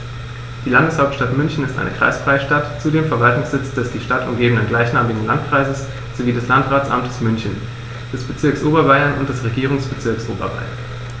Die Landeshauptstadt München ist eine kreisfreie Stadt, zudem Verwaltungssitz des die Stadt umgebenden gleichnamigen Landkreises sowie des Landratsamtes München, des Bezirks Oberbayern und des Regierungsbezirks Oberbayern.